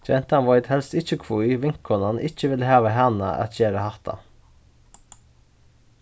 gentan veit helst ikki hví vinkonan ikki vil hava hana at gera hatta